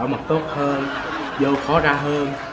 mật tốt hơn vô khó ra hơn